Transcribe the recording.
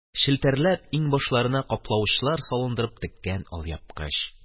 Челтәрләп, иңбашларына каплавычлар салындырып теккән алъяпкыч